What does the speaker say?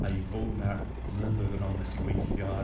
Ivona, b- blynyddoedd yn ôl nest i weithio ar